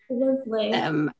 Lyfli... Yym.